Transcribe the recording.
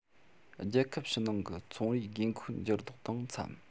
རྒྱལ ཁབ ཕྱི ནང གི ཚོང རའི དགོས མཁོའི འགྱུར ལྡོག དང འཚམ